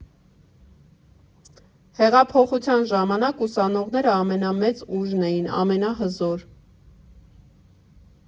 Հեղափոխության ժամանակ ուսանողները ամենամեծ ուժն էին, ամենահզոր։